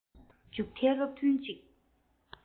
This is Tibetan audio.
མཇུག མཐའི སློབ ཐུན གཅིག